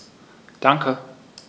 Danke.